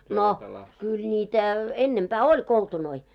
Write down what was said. no kyllä niitä ennempää oli koltunoita